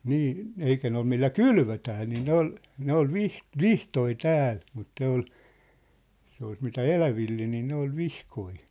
niin eikä ne ole millä kylvötään niin ne oli ne oli - vihtoja täällä mutta ne oli se olisi mitä eläville niin ne oli vihkoja